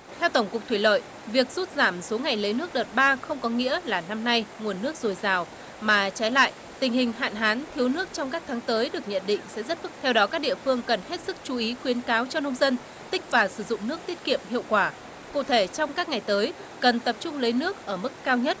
theo tổng cục thủy lợi việc sút giảm số ngày lấy nước đợt ba không có nghĩa là năm nay nguồn nước dồi dào mà trái lại tình hình hạn hán thiếu nước trong các tháng tới được nhận định sẽ rất phức theo đó các địa phương cần hết sức chú ý khuyến cáo cho nông dân tích và sử dụng nước tiết kiệm hiệu quả cụ thể trong các ngày tới cần tập trung lấy nước ở mức cao nhất